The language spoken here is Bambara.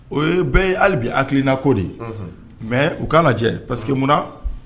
O ye bɛɛ ye alibi akirina ko de mɛ u k'a lajɛ jɛ parce que munna na